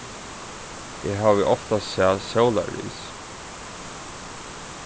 eg havi ofta sæð sólarris